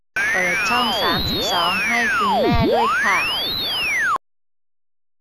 เปิดช่องสามสิบสองให้คุณแม่ด้วยค่ะ